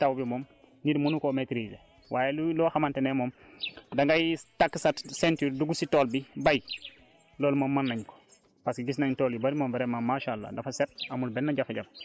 waaye nag leneen loo xamante ne si yàlla la jógee moom kenn mënu si dara lu aajuwoo si taw bi moom nit mënu koo maitriser waaye lu loo xamante ne moom dangay takk sa ceinture dugg si tool bi béy loolu moom mën nañ ko